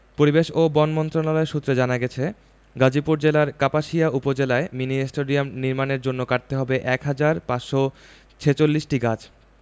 পরিবেশ ও বন মন্ত্রণালয় সূত্রে জানা গেছে গাজীপুর জেলার কাপাসিয়া উপজেলায় মিনি স্টেডিয়াম নির্মাণের জন্য কাটতে হবে এক হাজার ৫৪৬টি গাছ